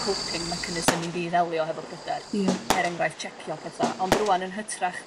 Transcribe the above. coping mechanism i fi ddelio hefo pryder... Ia. ...er enghraifft checio petha. Ond rŵan yn hytrach